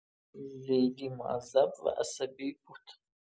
لیلی مغذب و عصبی بود.